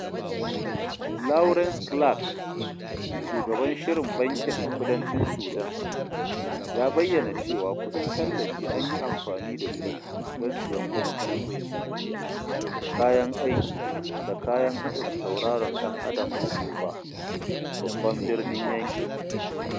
Laurence Clarke, shugaban shirin bankin a kudancin Sudan, ya bayyana cewa kuɗin tallafi an yi amfani da su don siyan kwamfutoci, kayan aiki da kayan haɗin tauraron ɗan Adam a Juba, babban birnin yankin.